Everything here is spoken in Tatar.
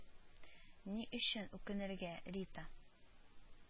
Ни өчен үкенергә, Рита